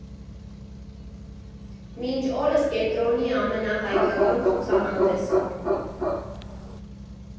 Մինչ օրս կենտրոնի «ամենահայկական» ցուցահանդեսը։